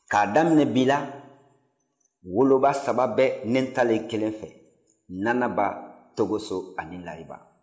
k'a daminɛ bi la woloba saba bɛ ne ntalen kelen fɛ nanaba togoso ani lariba